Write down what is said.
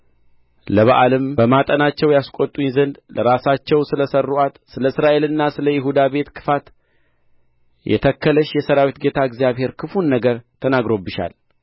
ለበኣልም በማጠናቸው ያስቈጡኝ ዘንድ ለራሳቸው ስለ ሠሩአት ስለ እስራኤልና ስለ ይሁዳ ቤት ክፋት የተከለሽ የሠራዊት ጌታ እግዚአብሔር ክፉን ነገር ተናግሮብሻል